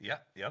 Ia iawn.